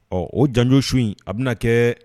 Ɔ o janjo su in a bɛ na kɛ